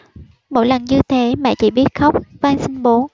mỗi lần như thế mẹ chỉ biết khóc van xin bố